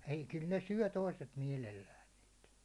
ei kyllä ne syö toiset mielellään niitä